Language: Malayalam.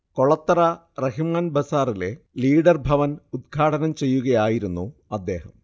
കൊളത്തറ റഹിമാൻ ബസാറിലെ ലീഡർ ഭവൻ ഉദ്ഘാടനം ചെയ്യുകയായിരുന്നു അദ്ദേഹം